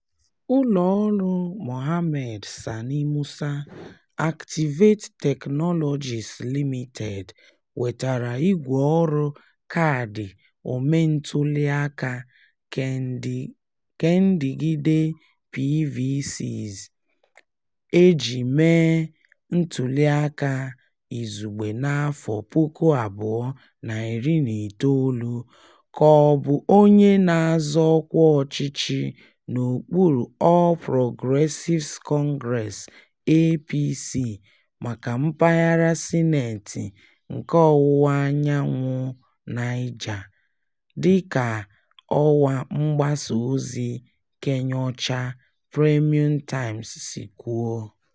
Ụlọ ọrụ Mohammed Sani Musa, Activate Technologies Limited, wetara ígwè ọrụ Kaadị Omentụliaka Kendịgide (PVCs) e ji mee ntụliaka izugbe n'afọ 2019, ka ọ bụ onye na-azọ ọkwa ọchịchị n'okpuru All Progressives Congress (APC) maka mpaghara Sineeti nke Ọwụwaanyanwụ Niger , dị ka ọwa mgbasa ozi kennyocha, Premium Times, si kwuo.